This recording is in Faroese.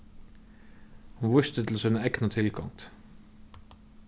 hon vísti til sína egnu tilgongd